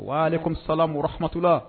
Wa kɔmi sala morihamatula